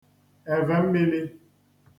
evè mmīlī